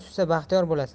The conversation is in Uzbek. tushsa baxtiyor bo'lasan